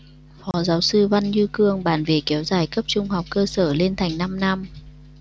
phó giáo sư văn như cương bàn về kéo dài cấp trung học cơ sở lên thành năm năm